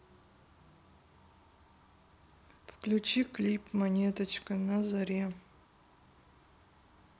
включи клип монеточка на заре